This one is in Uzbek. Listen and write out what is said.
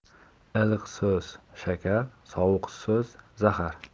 iliq so'z shakar sovuq so'z zahar